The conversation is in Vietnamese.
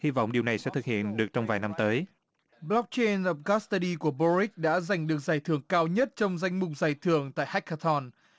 hy vọng điều này sẽ thực hiện được trong vài năm tới bờ loóc chên dập các sơ ri của bơo ríc đã giành được giải thưởng cao nhất trong danh mục giải thưởng tại hách ca thon